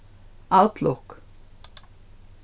outlook